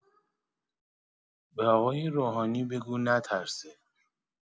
به آقای روحانی بگو نترسه.